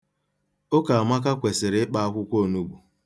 Ụkamaka kwesịrị ịkpa akwụkwọ onugbu.